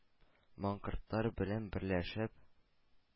Маңкортлар белән берләшеп,